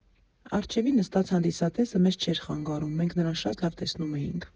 Առջևի նստած հանդիսատեսը մեզ չէր խանգարում, մենք նրան շատ լավ տեսնում էինք։